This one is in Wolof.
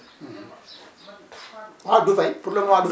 waaw du fay pour le moment du